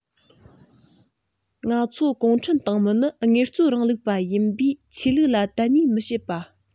ང ཚོ གུང ཁྲན ཏང མི ནི དངོས གཙོའི རིང ལུགས པ ཡིན པས ཆོས ལུགས ལ དད མོས མི བྱེད པ